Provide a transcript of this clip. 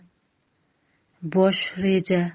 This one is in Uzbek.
bosh reja